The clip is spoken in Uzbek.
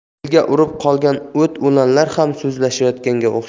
belga urib qolgan o't o'lanlar ham so'zlashayotganga o'xshaydi